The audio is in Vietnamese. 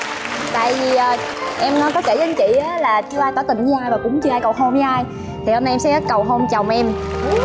tại vì em nói tất cả anh chị là chưa có tỏ tình với ai và cũng chưa ai cầu hôn với ai thì hôm nay em sẽ cầu hôn chồng em